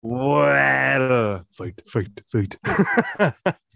Wel! Fight, fight, fight!